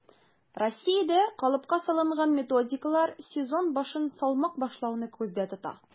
Россиядә калыпка салынган методикалар сезон башын салмак башлауны күздә тота: